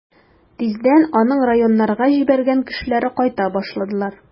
Тиздән аның районнарга җибәргән кешеләре кайта башладылар.